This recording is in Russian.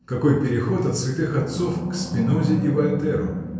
— Какой переход от святых отцов к Спинозе и Вольтеру!